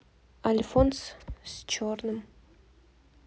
альфонс с черным